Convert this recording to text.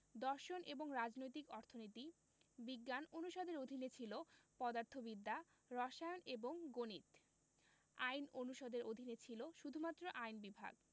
দর্শন এবং রাজনৈতিক অর্থনীতি বিজ্ঞান অনুষদের অধীনে ছিল পদার্থবিদ্যা রসায়ন এবং গণিত আইন অনুষদের অধীনে ছিল শুধুমাত্র আইন বিভাগ